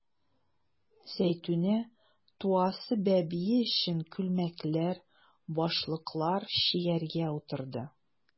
Зәйтүнә туасы бәбие өчен күлмәкләр, башлыклар чигәргә утырды.